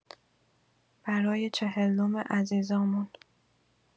برای چهلم عزیزامون